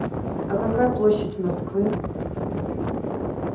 а какая площадь москвы